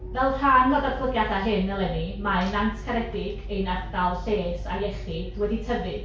Fel rhan o'r datblygiadau hyn eleni, mae Nant Caredig, ein ardal Lles a Iechyd wedi tyfu.